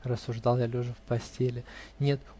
-- рассуждал я лежа в постели. -- Нет!